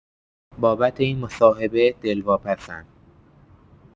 بابت این مصاحبه دلواپسم.